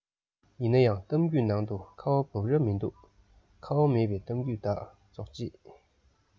ཡིན ན ཡང གཏམ རྒྱུད ནང དུ ཁ བ འབབ རབས མི འདུག ཁ བ མེད པའི གཏམ རྒྱུད དག རྗོགས རྗེས